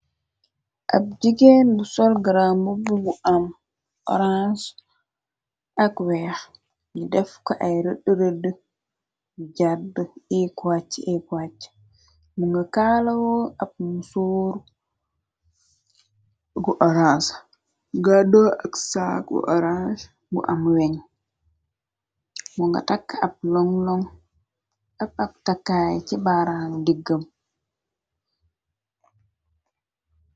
Ab jigeen du sol gram bubu am orange ak weex ni def ko ay rëdd-rëdd jàdd ekoacc ekuàcc mu nga kaalawoo ab mu soor gu orange gàddo ak saa gu orange bu am weñ mo nga tàkk ab longlong ab ab takkaay ci baraan diggam.